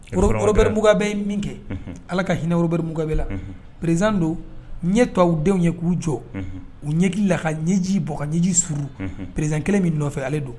Orobrimbugu bɛ ye min kɛ ala ka hinɛinɛorobugu bɛ la pererez don ɲɛ tɔ aw denw ye k'u jɔ u ɲɛkili laka ɲɛji bu ɲɛji suru prez kelen min nɔfɛ ale don